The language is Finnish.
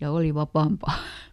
ja oli vapaampaa